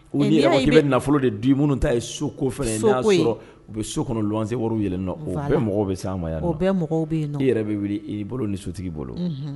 U bɛ nafolo de minnu ta ye so ko fana u bɛ so kɔnɔ ɛlɛn bɛ sa ma yan yɛrɛ bɛ i bolo ni sutigi bolo